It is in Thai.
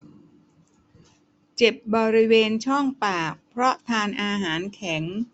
เจ็บบริเวณช่องปากเพราะทานอาหารแข็ง